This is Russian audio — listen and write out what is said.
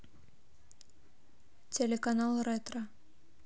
телеканал ретро